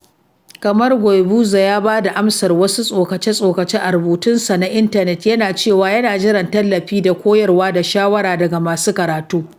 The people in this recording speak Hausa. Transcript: Kamar Guebuza ya ba da amsar wasu tsokace-tsokace a rubutunsa na intanet, yana cewa yana jiran 'tallafi da koyarwa da shawara daga masu karatu'.